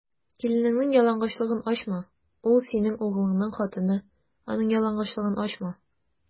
Киленеңнең ялангачлыгын ачма: ул - синең углыңның хатыны, аның ялангачлыгын ачма.